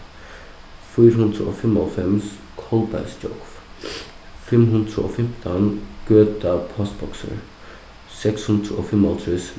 fýra hundrað og fimmoghálvfems fimm hundrað og fimtan gøta postboksir seks hundrað og fimmoghálvtrýss